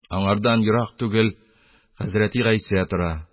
Аңардан ерак түгел хәзрәте Гыйса тора.